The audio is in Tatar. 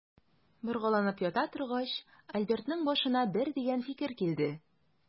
Боргаланып ята торгач, Альбертның башына бер дигән фикер килде.